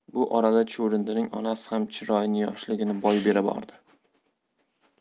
bu orada chuvrindining onasi ham chiroyini yoshligini boy bera bordi